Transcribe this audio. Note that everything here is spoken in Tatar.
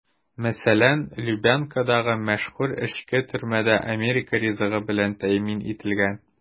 Мәсәлән, Лубянкадагы мәшһүр эчке төрмә дә америка ризыгы белән тәэмин ителгән.